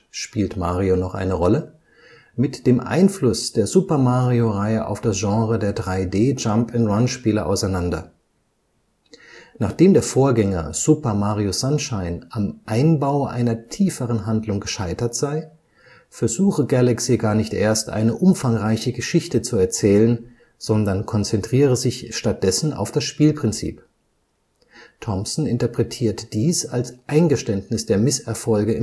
Spielt Mario noch eine Rolle? “) mit dem Einfluss der Super-Mario-Reihe auf das Genre der 3D-Jump -’ n’ - Run-Spiele auseinander. Nachdem der Vorgänger Super Mario Sunshine am Einbau einer tieferen Handlung gescheitert sei, versuche Galaxy gar nicht erst, eine umfangreiche Geschichte zu erzählen, sondern konzentriere sich stattdessen auf das Spielprinzip. Thomsen interpretiert dies als Eingeständnis der Misserfolge